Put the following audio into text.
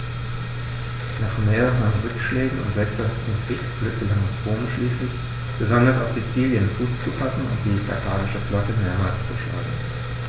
Nach mehreren Rückschlägen und wechselhaftem Kriegsglück gelang es Rom schließlich, besonders auf Sizilien Fuß zu fassen und die karthagische Flotte mehrmals zu schlagen.